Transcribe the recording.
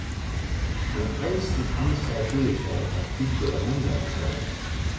men eisini hann sær fyri sær at til ber at menna rættstavaran